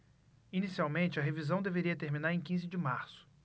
inicialmente a revisão deveria terminar em quinze de março